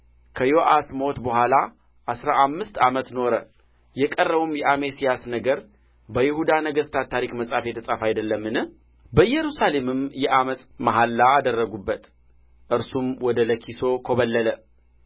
ከዮአስ ሞት በኋላ አሥራ አምስት ዓመት ኖረ የቀረውም የአሜስያስ ነገር በይሁዳ ነገሥታት ታሪክ መጽሐፍ የተጻፈ አይደለምን በኢየሩሳሌምም የዓመፅ መሐላ አደረጉበት እርሱም ወደ ለኪሶ ኰበለለ